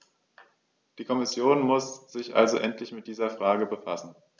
Die Kommission muss sich also endlich mit dieser Frage befassen.